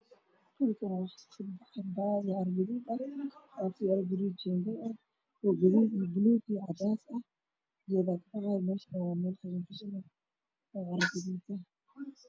Waxaa meshan ka muuqda jiingado gaduud iyo cadaan ah